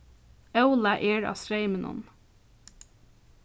ólag er á streyminum